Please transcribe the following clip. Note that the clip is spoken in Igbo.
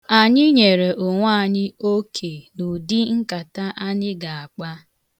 Anyị nyere onwe anyị oke n'ụdị nkata anyị ga-akpa.